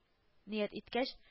Ният иткәч